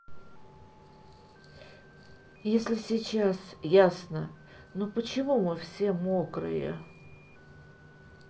если сейчас ясно но почему мы все мокрые